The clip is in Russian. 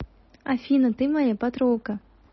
афина ты моя подруга